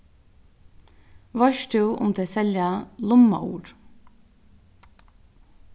veitst tú um tey selja lummaur